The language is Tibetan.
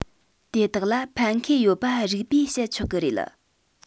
དེ དག ལ ཕན ཁེ ཡོད པ རིགས པས དཔྱད ཆོག གི རེད